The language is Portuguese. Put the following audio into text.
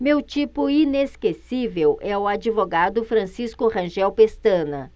meu tipo inesquecível é o advogado francisco rangel pestana